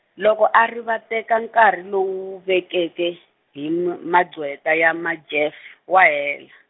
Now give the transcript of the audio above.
loko a rivateka nkarhi lowu vekeke, hi m- maqhweta ya Majeff, wa hela.